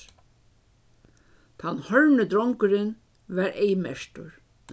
tann horvni drongurin var eyðmerktur